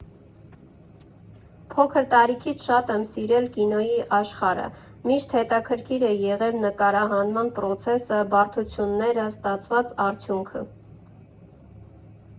«Փոքր տարիքից շատ եմ սիրել կինոյի աշխարհը, միշտ հետաքրքիր է եղել նկարահանման պրոցեսը, բարդությունները, ստացված արդյունքը։